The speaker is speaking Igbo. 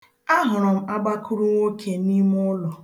Ahụrụ m agbakụrụnwoke n'ime ụlọ